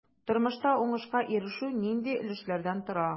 Тормышта уңышка ирешү нинди өлешләрдән тора?